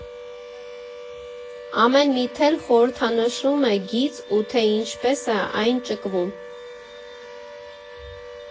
Ամեն մի թել խորհրդանշում է գիծ ու թե ինչպես է այն ճկվում։